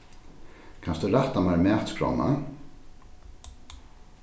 kanst tú rætta mær matskránna